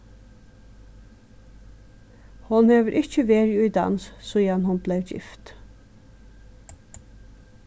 hon hevur ikki verið í dans síðan hon bleiv gift